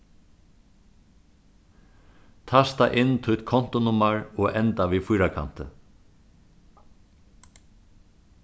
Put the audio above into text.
tasta inn títt kontunummar og enda við fýrakanti